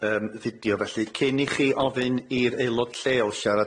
yym fideo felly cyn i chi ofyn i'r aelod lleol siarad ma'